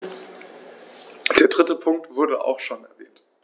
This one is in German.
Der dritte Punkt wurde auch schon erwähnt.